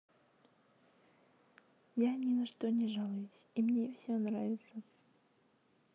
я ни на что не жалуюсь и мне все нравится